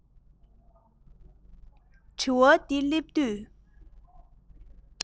དྲི བ འདི སླེབས དུས